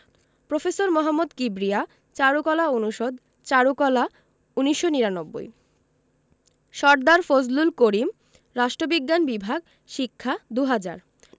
professor Mohammad Kibria চারুকলা অনুষদ চারুকলা ১৯৯৯ সরদার ফজলুল করিম রাষ্ট্রবিজ্ঞান বিভাগ শিক্ষা ২০০০